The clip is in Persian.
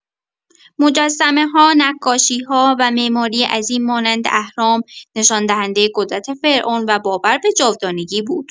مجسمه‌ها، نقاشی‌ها و معماری عظیم مانند اهرام نشان‌دهنده قدرت فرعون و باور به جاودانگی بود.